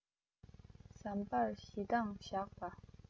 ཟམ པར ཞེ འདང བཞག པ